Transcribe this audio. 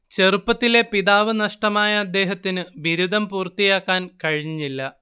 ചെറുപ്പത്തിലേ പിതാവ് നഷ്ടമായ അദ്ദേഹത്തിനു ബിരുദം പൂർത്തിയാക്കാൻ കഴിഞ്ഞില്ല